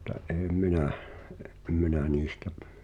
mutta en minä en minä niistä